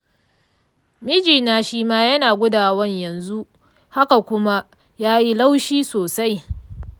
miji na shima yana gudawan yanxu haka kuma yayi laushi sosai.